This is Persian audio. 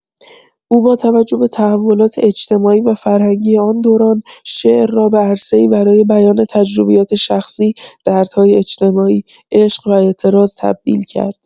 او با توجه به تحولات اجتماعی و فرهنگی آن دوران، شعر را به عرصه‌ای برای بیان تجربیات شخصی، دردهای اجتماعی، عشق و اعتراض تبدیل کرد.